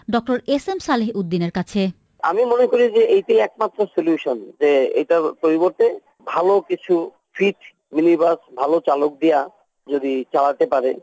ড S M Saleh Uddin এর কাছে আমি মনে করি যে এটি একমাত্র সলিউশন যে এটার পরিবর্তে ভালো কিছু সুইচ মিনিবাস যদি ভালো চালক দিয়া চালাতে পারে